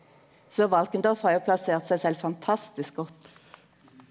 så Valkendorf har jo plassert seg sjølv fantastisk godt.